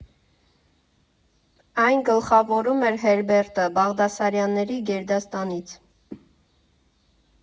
Այն գլխավորում էր Հերբերտը՝ Բաղդասարյանների գերդաստանից։